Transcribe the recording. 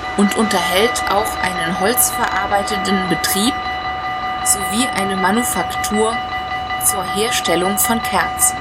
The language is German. und unterhält auch einen holzverarbeitenden Betrieb sowie eine Manufaktur zur Herstellung von Kerzen